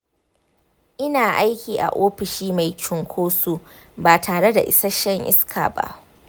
ina aiki a ofishi mai cunkoso ba tare da isasshen iska ba.